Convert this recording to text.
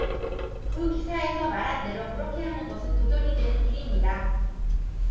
그 기사에서 말한 대로 그렇게 하는 것은 도전이 되는 일입니다